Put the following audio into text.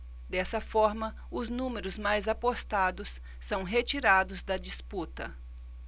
dessa forma os números mais apostados são retirados da disputa